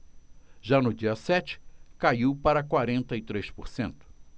já no dia sete caiu para quarenta e três por cento